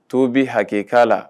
Tobi hakɛkala la